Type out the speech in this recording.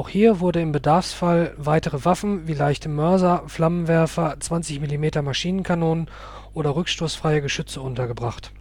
wurden hier im Bedarfsfall weitere Waffen, wie leichte Mörser, Flammenwerfer, 20mm-Maschinenkanonen oder rückstoßfreie Geschütze untergebracht